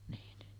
niin